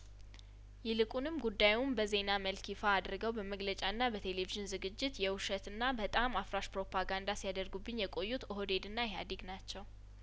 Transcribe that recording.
ይልቁንም ጉዳዩን በዜና መልክ ይፋ አድርገው በመግለጫና በቴሌቪዥን ዝግጅት የውሸትና በጣም አፍራሽ ፕሮፓጋንዳ ሲያደርጉብኝ የቆዩት ኦህዴድና ኢህአዴግ ናቸው